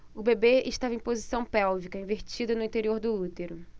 o bebê estava em posição pélvica invertida no interior do útero